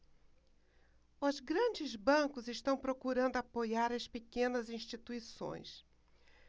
os grandes bancos estão procurando apoiar as pequenas instituições